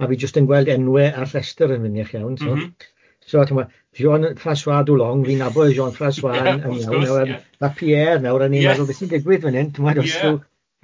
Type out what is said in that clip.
a fi jyst yn gweld enwe a'r rhestr yn fyny i chi iawn... M-hm. ...so so timod Jean-François Doulon, fi'n nabod Jean-François yn iawn... Wrth gwrs ie. ...ma' Pierre nawr yn i'n meddwl beth sy'n digwydd fan hyn, timod... Ie.